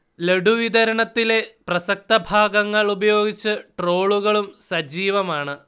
ലഡു വിതരണത്തിലെ പ്രസക്തഭാഗങ്ങൾ ഉപയോഗിച്ച് ട്രോളുകളും സജീവമാണ്